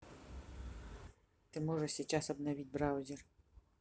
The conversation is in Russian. ты можешь сейчас обновить браузер